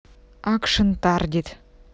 акшн таргет